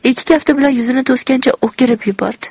ikki kafti bilan yuzini to'sgancha o'kirib yubordi